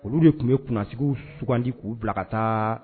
Olu de tun bɛ kunsigi sugandi k uu bila ka taa